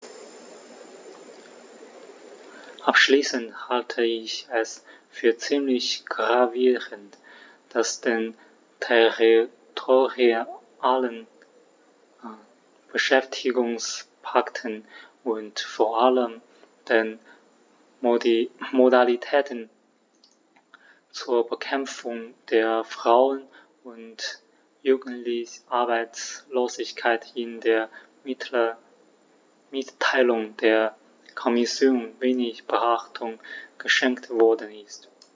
Abschließend halte ich es für ziemlich gravierend, dass den territorialen Beschäftigungspakten und vor allem den Modalitäten zur Bekämpfung der Frauen- und Jugendarbeitslosigkeit in der Mitteilung der Kommission wenig Beachtung geschenkt worden ist.